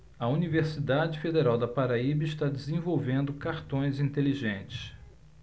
a universidade federal da paraíba está desenvolvendo cartões inteligentes